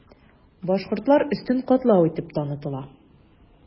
Башкортлар өстен катлау итеп танытыла.